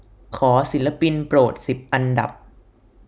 ขอศิลปินโปรดสิบอันดับ